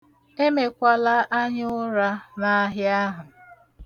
Emekwala anyaụra n'ahịa ahụ.